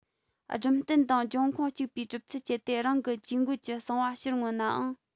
སྦྲུམ རྟེན དང འབྱུང ཁུངས གཅིག པའི གྲུབ ཚུལ སྤྱད དེ རང གི ཇུས འགོད ཀྱི གསང བ ཕྱིར མངོན ནའང